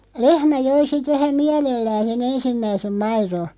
lehmä joi sitten vähän mielellään sen ensimmäisen maidon